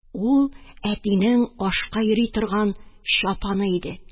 Ул әтинең ашка йөри торган чапаны иде.